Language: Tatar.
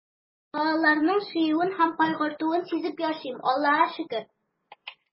Балаларның сөюен һәм кайгыртуын сизеп яшим, Аллага шөкер.